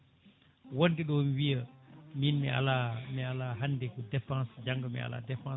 wondeɗo ne wiiya min mi ala hande ko dépense janggo mi ala dépense